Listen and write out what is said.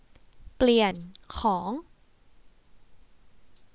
เปลี่ยนของ